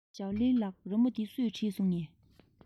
ཞོའོ ལིའི ལགས རི མོ འདི སུས བྲིས སོང ངས